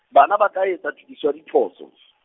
bana ba tla etsa tokiso diphoso .